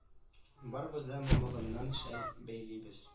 Барыбыз да кә ә мамыгыннан шәл бәйлибез